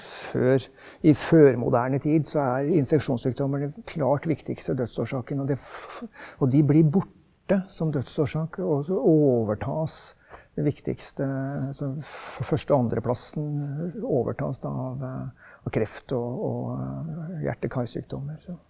før i førmoderne tid så er infeksjonssykdommer det klart viktigste dødsårsaken, og det og de blir borte som dødsårsak også overtas viktigste sånn første og andreplassen overtas da av av kreft og og hjerte-karsykdommer så.